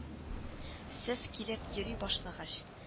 —сез килеп йөри башлагач